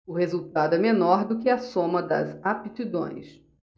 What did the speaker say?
o resultado é menor do que a soma das aptidões